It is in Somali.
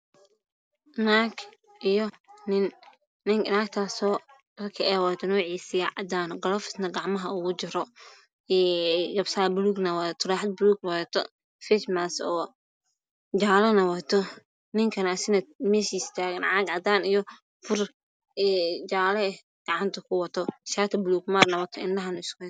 Naag iyo nin naagtaasoo dharka ay wadato nuuciisa cadaan yahay goloofisna gacmaha ugu jiro taraaxad buluug wadato face Maas jaalena wadato ninkana miis istaagan caag cadaan furjaale ah shaati buluug maar ah wato indhahana isku haayo